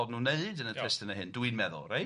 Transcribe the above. yn y testunna hyn, dwi'n meddwl, reit.